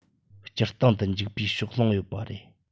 སྤྱིར བཏང དུ འཇིག པའི ཕྱོགས ལྷུང ཡོད པ རེད